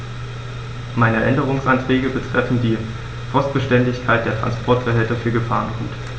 Meine Änderungsanträge betreffen die Frostbeständigkeit der Transportbehälter für Gefahrgut.